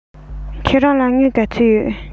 ཁྱེད རང ལ དངུལ ག ཚོད ཡོད